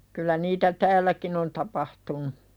kyllä niitä täälläkin on tapahtunut